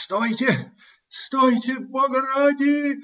- Стойте, стойте, бога ради!